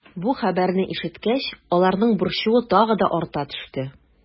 Бу хәбәрне ишеткәч, аларның борчуы тагы да арта төште.